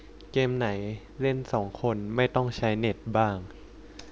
เกมไหนเล่นสองคนไม่ต้องใช้เน็ตบ้าง